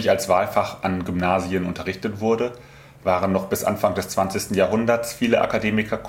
als Wahlfach an Gymnasien unterrichtet wurde, waren noch bis Anfang des 20. Jahrhunderts viele Akademiker